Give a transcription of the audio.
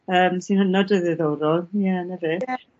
Yym sy'n hynod o diddorol. Ie 'na fe. Ie.